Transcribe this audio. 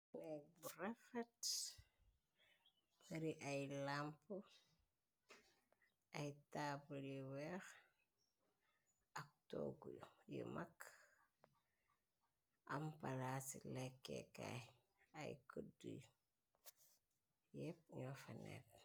Nekbu rafat bari ay lamp ay taabalyi weex ak toogu yi mag am palaa ci lekkeekaay ay këddu yépp ñoo fanekt.